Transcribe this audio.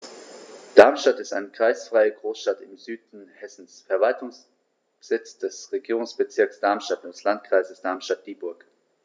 Darmstadt ist eine kreisfreie Großstadt im Süden Hessens, Verwaltungssitz des Regierungsbezirks Darmstadt und des Landkreises Darmstadt-Dieburg.